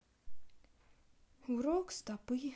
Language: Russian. урок стопы